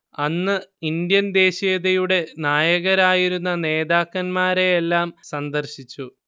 അന്ന് ഇൻഡ്യൻ ദേശീയതയുടെ നായകരായിരുന്ന നേതാക്കന്മാരെയെല്ലാം സന്ദർശിച്ചു